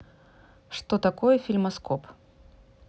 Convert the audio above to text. что такое фильмоскоп